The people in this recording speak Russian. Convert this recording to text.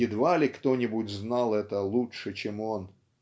едва ли кто-нибудь знал это лучше, чем он.